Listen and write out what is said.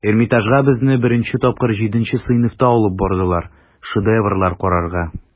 Эрмитажга безне беренче тапкыр җиденче сыйныфта алып бардылар, шедеврлар карарга.